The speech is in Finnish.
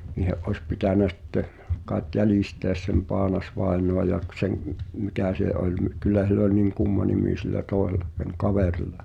niiden olisi pitänyt sitten kai jäljistä sen Paanas-vainajan ja - sen mikä se oli - kyllä sillä oli niin kumma nimi sillä toisella sen kaverilla